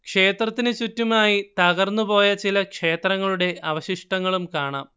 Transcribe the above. ക്ഷേത്രത്തിനു ചുറ്റുമായി തകർന്നുപോയ ചില ക്ഷേത്രങ്ങളുടെ അവശിഷ്ടങ്ങളും കാണാം